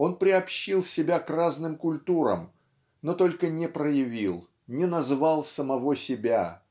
он приобщил себя к разным культурам но только не проявил не назвал самого себя